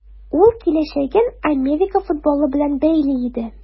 Ул киләчәген Америка футболы белән бәйли иде.